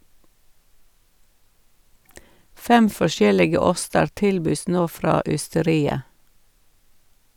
Fem forskjellige oster tilbys nå fra ysteriet.